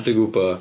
Dwi'n gwbod.